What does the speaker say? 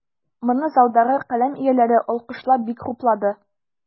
Моны залдагы каләм ияләре, алкышлап, бик хуплады.